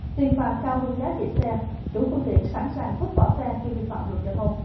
tiền phạt cao hơn giá trị xe chủ phương tiện sẵn sàng vứt bỏ xe khi vi phạm luật giao thông